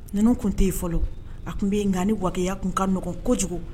Ninnu tun tɛ yen fɔlɔ a tun bɛ yen nka ni waya tun ka ɲɔgɔn kojugu